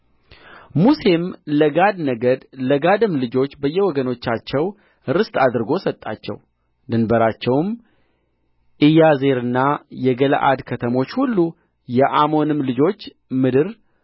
ሙሴም ለጋድ ነገድ ለጋድም ልጆች በየወገኖቻቸው ርስት አድርጎ ሰጣቸው ድንበራቸውም ኢያዜርና የገለዓድ ከተሞች ሁሉ የአሞንም ልጆች ምድር